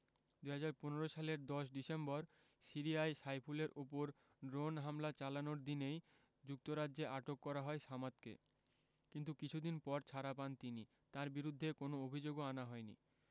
২০১৫ সালের ১০ ডিসেম্বর সিরিয়ায় সাইফুলের ওপর ড্রোন হামলা চালানোর দিনই যুক্তরাজ্যে আটক করা হয় সামাদকে কিন্তু কিছুদিন পর ছাড়া পান তিনি তাঁর বিরুদ্ধে কোনো অভিযোগও আনা হয়নি